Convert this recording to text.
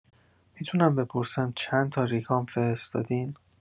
می‌تونم بپرسم چندتا ریکام فرستادین؟